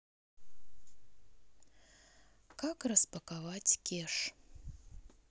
как распаковать кеш